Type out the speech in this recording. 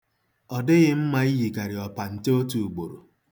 Ọ dịghị mma iyikarị ọpanta otu ugboro.